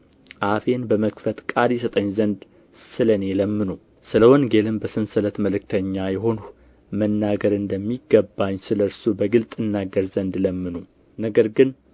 አፌን በመክፈት ቃል ይሰጠኝ ዘንድ ስለ እኔ ለምኑ ስለ ወንጌልም በሰንሰለት መልእክተኛ የሆንሁ መናገር እንደሚገባኝ ስለ እርሱ በግልጥ እናገር ዘንድ ለምኑ ነገር ግን